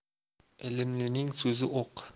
ilmlining so'zi o'q